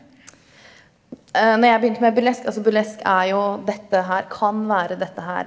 når jeg begynte med burlesk altså burlesk er jo dette her kan være dette her.